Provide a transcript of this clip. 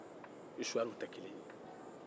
isuwariw tɛ kelen ye